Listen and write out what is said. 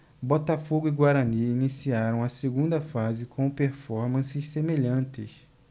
botafogo e guarani iniciaram a segunda fase com performances semelhantes